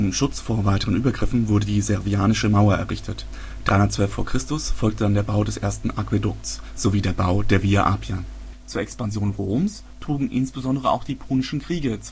Schutz vor weiteren Übergriffen wurde die Servianische Mauer errichtet. 312 v. Chr. folgte der Bau des ersten Aquädukts sowie der Bau der Via Appia. Zur Expansion Roms trugen insbesondere auch die Punischen Kriege